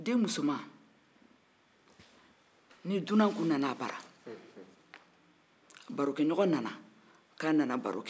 den musoman ni dunan tun nan'a bara a borokɛɲɔgɔn nana k'a bɛna baro kɛ k'a nana baro kɛ